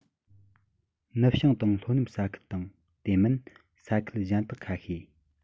ནུབ བྱང དང ལྷོ ནུབ ས ཁུལ དང དེ མིན ས ཁུལ གཞན དག ཁ ཤས